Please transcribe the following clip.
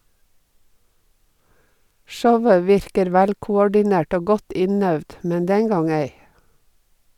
Showet virker velkoordinert og godt innøvd, men den gang ei.